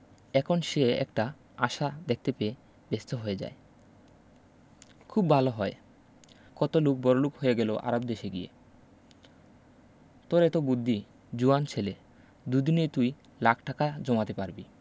এখন সে একটা আশা দেখতে পেয়ে ব্যস্ত হয়ে যায় খুব বালো হয় কত লুক বড়লুক হয়ে গেল আরব দেশে গিয়ে তোর এত বুদ্দি জুয়ান ছেলে দুদিনেই তুই লাখ টাকা জমাতে পারবি